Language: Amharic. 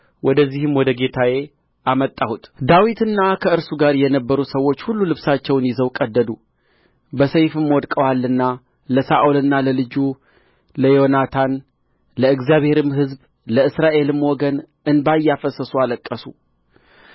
ወደዚህም ወደ ጌታዬ አመጣሁት ዳዊትና ከእርሱ ጋር የነበሩ ሰዎች ሁሉ ልብሳቸውን ይዘው ቀደዱ በሰይፍም ወድቀዋልና ለሳኦልና ለልጁ ለዮናታን ለእግዚአብሔርም ሕዝብ ለእስራኤልም ወገን እንባ እያፈሰሱ አለቀሱ